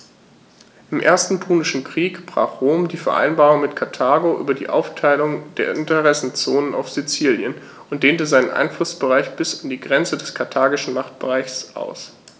Im Ersten Punischen Krieg brach Rom die Vereinbarung mit Karthago über die Aufteilung der Interessenzonen auf Sizilien und dehnte seinen Einflussbereich bis an die Grenze des karthagischen Machtbereichs aus.